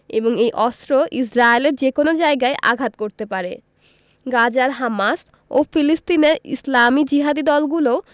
এবং এই অস্ত্র ইসরায়েলের যেকোনো জায়গায় আঘাত করতে পারে গাজার হামাস ও ফিলিস্তিনের ইসলামি জিহাদি দলগুলোও